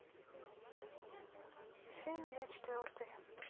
фильм я четвертый